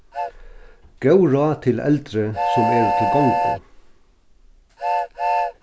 góð ráð til eldri sum eru til gongu